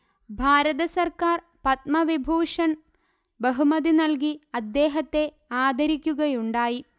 ഭാരത സർക്കാർ പദ്മവിഭൂഷൺ ബഹുമതി നല്കി അദ്ദേഹത്തെ ആദരിയ്ക്കുകയുണ്ടായി